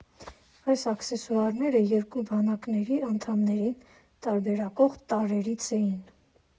Այս աքսեսուարները երկու բանակների անդամներին տարբերակող տարրերից էին։